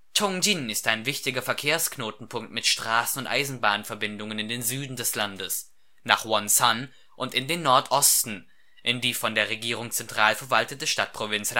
’ ŏngjin ist ein wichtiger Verkehrsknotenpunkt mit Straßen und Eisenbahnverbindungen in den Süden des Landes, nach Wŏnsan und in den Nordosten, in die von der Regierung zentral verwaltete Stadtprovinz